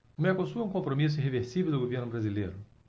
o mercosul é um compromisso irreversível do governo brasileiro